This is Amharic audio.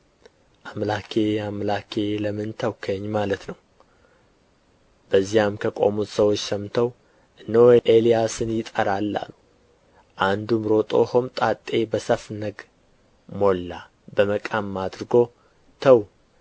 አምላኬ ለምን ተውኸኝ ማለት ነው በዚያም ከቆሙት ሰዎች ሰምተው እነሆ ኤልያስን ይጠራል አሉ አንዱም ሮጦ ሆምጣጤ በሰፍነግ ሞላ በመቃም አድርጎ ተዉ